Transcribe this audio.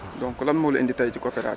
donc lan moo la indi tay ci coopéra